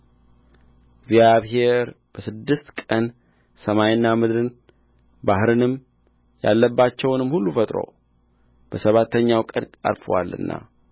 እግዚአብሔር በስድስት ቀን ሰማይንና ምድርን ባሕርንም ያለባቸውንም ሁሉ ፈጥሮ በሰባተኛው ቀን ዐርፎአልና